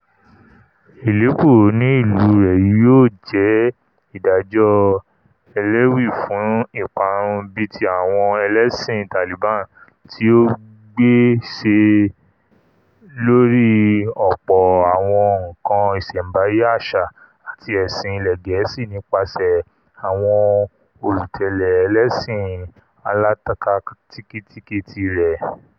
Ìlékúróní-ìlú rẹ̀ yóò jẹ́ ìdájọ̀ eléwì fún ìparun bíi ti àwọn ẹlẹ́sìn Taliban tí ó gbé ṣe lóri ọ̀pọ̀ àwọn nǹkan ìṣẹ̀ḿbáyé àṣà àti ẹ̀sìn ilẹ Gẹ̀ẹ́sì nípaṣẹ̀ àwọn olùtẹ̀lé Ẹlẹ́sìn alákatakí tirẹ̀.